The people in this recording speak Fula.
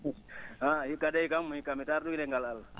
hikka nde kam hikka mi tardi ngal Allah